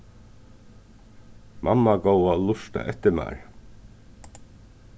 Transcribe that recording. mamma góða lurta eftir mær